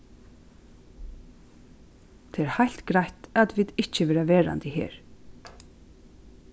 tað er heilt greitt at vit ikki verða verandi her